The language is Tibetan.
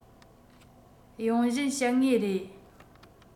ཡོང བཞིན བཤད ངེས རེད